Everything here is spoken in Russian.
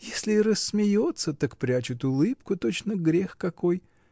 Если и рассмеется, так прячет улыбку, точно грех какой.